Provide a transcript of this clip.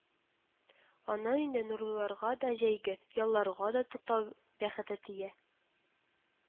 Аннан инде нурлыларга да җәйге ялларга туктау бәхете тия